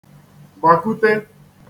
gbàkute